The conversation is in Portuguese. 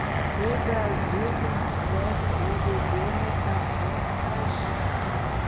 o brasil tem pressa e o governo está pronto para agir